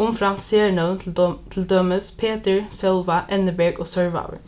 umframt sernøvn til til dømis petur sólvá enniberg og sørvágur